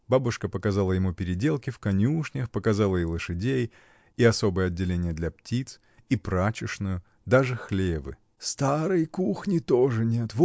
Бабушка показала ему переделки в конюшнях, показала и лошадей, и особое отделение для птиц, и прачечную, даже хлевы. — Старой кухни тоже нет